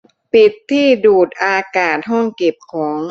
ปิดที่ดูดอากาศห้องเก็บของ